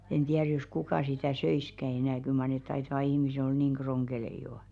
en tiedä jos kuka sitä söisikään enää kyllä mar ne taitavat ihmiset olla niin ronkeleita jo